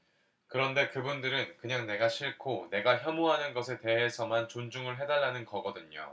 그런데 그분들은 그냥 내가 싫고 내가 혐오하는 것에 대해서만 존중을 해 달라는 거거든요